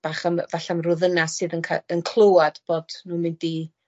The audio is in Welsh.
fach- yym falla am rw ddynas sydd yn ca- yn clywad bod nw mynd i